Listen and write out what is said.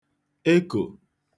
ekò